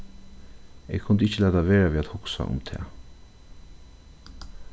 eg kundi ikki lata vera við at hugsa um tað